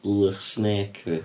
Ylwch snake fi.